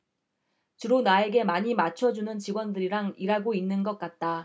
주로 나에게 많이 맞춰주는 직원들이랑 일하고 있는 것 같다